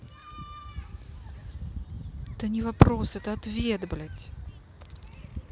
это не вопрос это ответ блядь